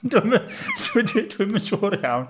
Dwi'm yn siŵr iawn.